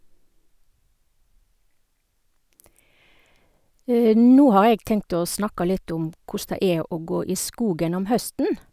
Nå har jeg tenkt å snakke litt om koss det er å gå i skogen om høsten.